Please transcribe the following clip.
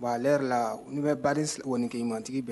Wa ale yɛrɛ la ne bɛ ba kɔniin mantigi bɛɛ